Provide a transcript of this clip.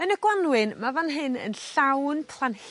Yn y Gwanwyn ma' fan hyn yn llawn